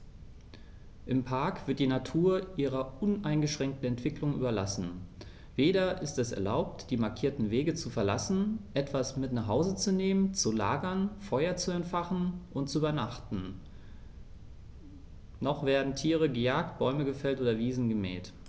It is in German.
Im Park wird die Natur ihrer uneingeschränkten Entwicklung überlassen; weder ist es erlaubt, die markierten Wege zu verlassen, etwas mit nach Hause zu nehmen, zu lagern, Feuer zu entfachen und zu übernachten, noch werden Tiere gejagt, Bäume gefällt oder Wiesen gemäht.